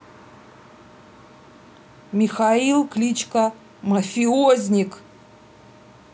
михаил кличка мафиозник